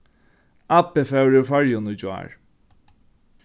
abbi fór úr føroyum í gjár